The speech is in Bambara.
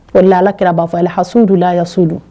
Ko alakira b'a fɔ alaha sundulas don